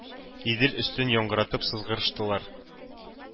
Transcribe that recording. Идел өстен яңгыратып сызгырыштылар.